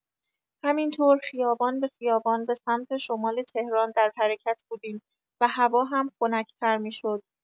همین‌طور خیابان به خیابان به سمت شمال تهران در حرکت بودیم و هوا هم خنک‌تر می‌شد.